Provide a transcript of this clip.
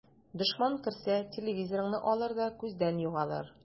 Дошман керсә, телевизорыңны алыр да күздән югалыр.